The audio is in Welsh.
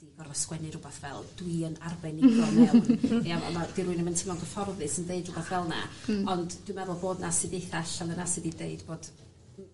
o'n i gorfo sgwennu rwbath fel dwi yn arbenigo mewn... ...ia on' ma' dyw rywun ddim yn timlo'n cyfforddus yn deud rwbath fel 'na. Hmm. Ond dwi meddwl bod 'na astudiaetha allan yna sy 'di deud bod